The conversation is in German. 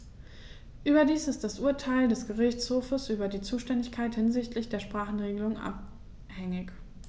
Überdies ist das Urteil des Gerichtshofes über die Zuständigkeit hinsichtlich der Sprachenregelung anhängig.